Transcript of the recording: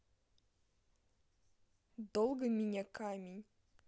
долго меня камень